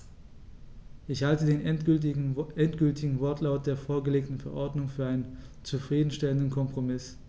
Ich halte den endgültigen Wortlaut der vorgelegten Verordnung für einen zufrieden stellenden Kompromiss.